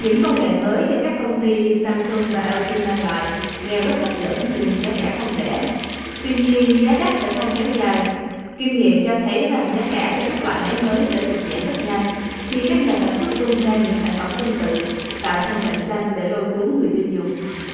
những công nghệ mới cho các công ty như sam sung và eo gi mang lại nghe rất hấp dẫn nhưng giá cả không rẻ tuy nhiên giá đắt sẽ không kéo dài kinh nghiệm cho thấy rằng giá cả cho các loại máy mới sẽ sụt giảm rất nhanh khi các nhà sản xuất tung ra những sản phẩm tương tự tạo thêm cạnh tranh để lôi cuốn người tiêu dùng